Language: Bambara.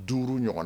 Duuru ɲɔgɔn